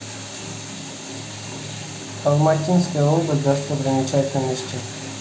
алматинская область достопримечательности